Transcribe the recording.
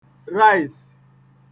raịs